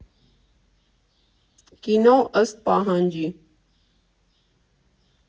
Կինո ըստ պահանջի։